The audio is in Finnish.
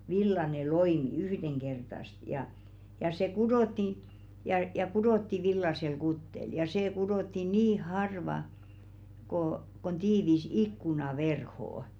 villainen loimi yhdenkertaista ja ja se kudottiin ja kudottiin villaisella kuteella ja se kudottiin niin harva kuin kuin tiivis ikkunaverho